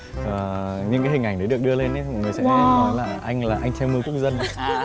ờ những cái hình ảnh đấy được đưa lên đấy mọi người sẽ nói là anh là anh trai mưa quốc dân